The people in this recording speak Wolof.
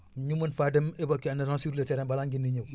ñu mën faa dem évacuer en urgence sur le terrain balaa ngeen di ñëw